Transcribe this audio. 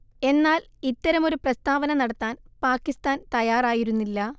എന്നാൽ ഇത്തരമൊരു പ്രസ്താവന നടത്താൻ പാകിസ്താൻ തയ്യാറായിരുന്നില്ല